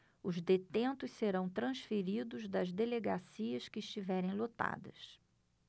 os detentos serão transferidos das delegacias que estiverem lotadas